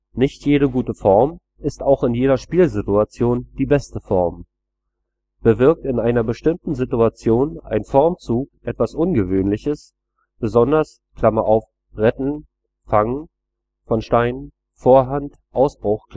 Nicht jede gute Form ist auch in jeder Spielsituation die beste Form. Bewirkt in einer bestimmten Situation ein Formzug etwas ungewöhnliches, besonderes (oft Retten/Fangen von Steinen, Vorhand, Ausbruch